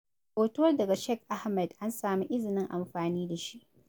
Hoto daga Shakil Ahmed, an samu izinin amfani da shi.